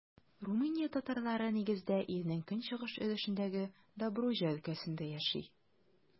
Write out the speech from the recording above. Румыния татарлары, нигездә, илнең көнчыгыш өлешендәге Добруҗа өлкәсендә яши.